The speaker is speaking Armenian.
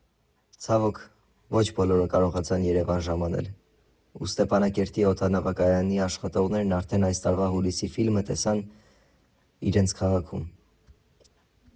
Ցավոք, ոչ բոլորը կարողացան Երևան ժամանել, ու Ստեփանակերտի օդանավակայանի աշխատողներն արդեն այս տարվա հուլիսին ֆիլմը տեսան՝ իրենց քաղաքում։